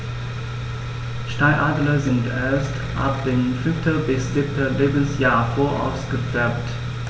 Steinadler sind erst ab dem 5. bis 7. Lebensjahr voll ausgefärbt.